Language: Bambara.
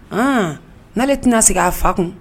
H neale tɛna sigi a fa kun